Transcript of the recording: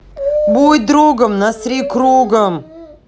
будь другом насри кругом